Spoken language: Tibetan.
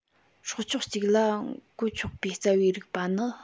སྲོག ཆགས གཅིག ལ བཀོལ ཆོག པའི རྩ བའི རིགས པ ནི